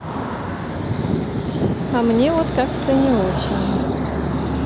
а мне вот как то не очень